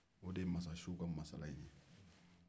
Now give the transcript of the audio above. o ye masasiw ka masala ye